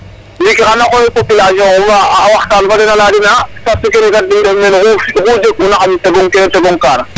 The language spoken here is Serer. Ndiiki xan a xooyka population fa a waxtan fa den a lay a den ee a den ndefu meen oxu ɗeguna xan tegong kene tegong kaana.